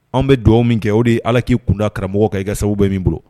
Anw bɛ dugawu min kɛ o de ye allh a k'i kunda karamɔgɔ kan i ka sababu bɛ min bolo.